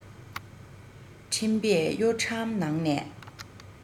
འཕྲིན པས གཡོ ཁྲམ ནང ནས